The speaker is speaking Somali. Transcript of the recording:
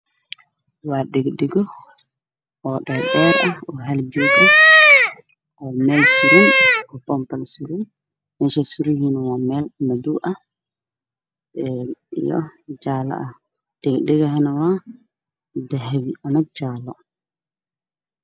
Waa dhago dheer oo hal joog ah waxuu suran yahay boonbalo madow iyo jaale, dhagaha waa dahabi iyo jaale.